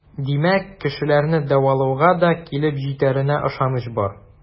Димәк, кешеләрне дәвалауга да килеп җитәренә ышаныч бар.